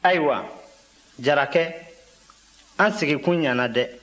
ayiwa jarakɛ an sigikun ɲana dɛ